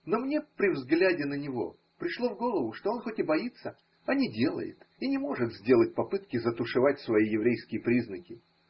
Но мне при взгляде на него при шло в голову, что он хоть и боится, а не делает и не может сделать попытки затушевать свои еврейские признаки.